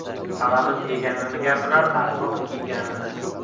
g'alamis yeganini gapirar ahmoq kiyganini